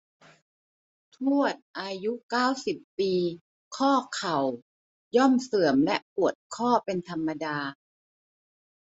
ทวดอายุเก้าสิบปีข้อเข้าย่อมเสื่อมและปวดข้อเป็นธรรมดา